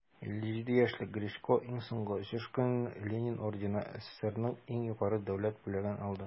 54 яшьлек гречко иң соңгы очыш өчен ленин ордены - сссрның иң югары дәүләт бүләген алды.